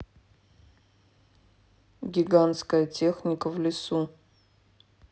гигантская техника в лесу